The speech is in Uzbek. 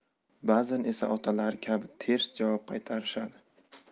ba'zan esa otalari kabi ters javob qaytarishadi